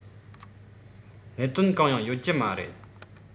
གནད དོན གང ཡང ཡོད ཀྱི མ རེད